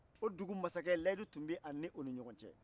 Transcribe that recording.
o dugu mansakɛ lahidu tun b'a ni o ni ɲɔgɔn cɛ